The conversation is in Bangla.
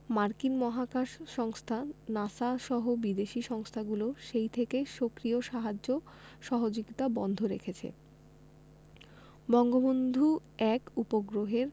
মার্কিন মহাকাশ সংস্থা নাসা সহ বিদেশি সংস্থাগুলো সেই থেকে সক্রিয় সাহায্য সহযোগিতা বন্ধ রেখেছে বঙ্গবন্ধু ১ উপগ্রহের